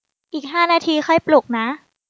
อีกห้านาทีค่อยปลุกนะ